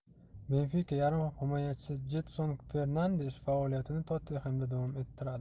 benfika yarim himoyachisi jedson fernandesh faoliyatini tottenhem da davom ettiradi